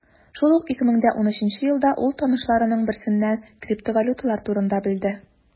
Шул ук 2013 елда ул танышларының берсеннән криптовалюталар турында белде.